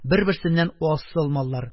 Бер-берсеннән асыл маллар.